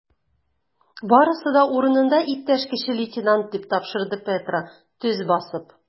Барысы да урынында, иптәш кече лейтенант, - дип тапшырды Петро, төз басып.